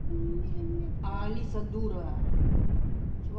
а алиса дура